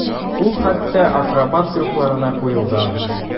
Ул хәтта акробат трюкларына куелган.